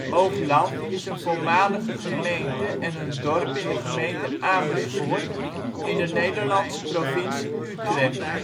Hoogland is een voormalige gemeente en een dorp in de gemeente Amersfoort, in de Nederlandse provincie Utrecht